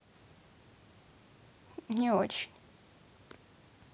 не очень